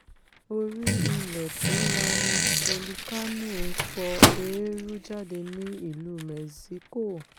Orí-ilẹ̀ tó lanu Fòlikánò ńpọ̀ eérú jáde ní Ìlú Mẹ́ṣíkò